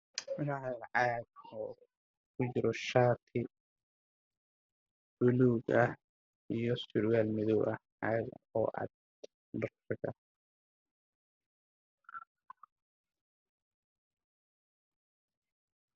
Waa shaati iyo midabkiis yahay buluug waxa uu ku dhex jiraa boombolo caddaan ah darbiga waa caddaan liiska waa qaxo